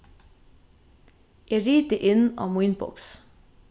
eg riti inn á mínboks